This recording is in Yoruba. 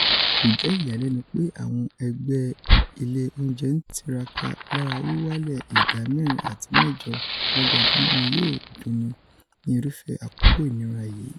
Kojẹ iyanilẹnu pe awọn ẹgbẹ ile ounjẹ n tiraka, lara wiwale ida 4.8 ọlọdọọdun ni yoo dunni ni irufẹ akoko inira yii.